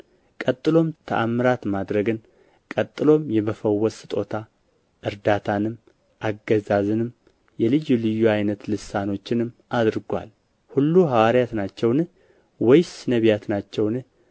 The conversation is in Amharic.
ቀጥሎም ተአምራት ማድረግን ቀጥሎም የመፈወስን ስጦታ እርዳታንም አገዛዝንም የልዩ ልዩ ዓይነት ልሳኖችንም አድርጎአል ሁሉ ሐዋርያት ናቸውን ሁሉስ ነቢያት ናቸውን